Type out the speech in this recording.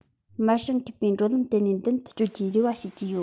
དམར ཞིང མཁས པའི འགྲོ ལམ དེད ནས མདུན དུ བསྐྱོད རྒྱུའི རེ བ བྱེད ཀྱི ཡོད